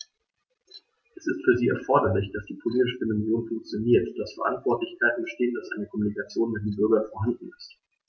Es ist für sie erforderlich, dass die politische Dimension funktioniert, dass Verantwortlichkeiten bestehen, dass eine Kommunikation mit den Bürgern vorhanden ist.